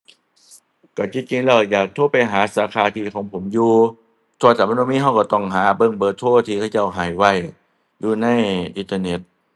ก็จริงจริงแล้วอยากโทรไปหาสาขาที่ของผมอยู่ มันบ่มีก็ก็ต้องหาเบิ่งเบอร์โทรที่เขาเจ้าให้ไว้ อยู่ในอินเทอร์เน็ต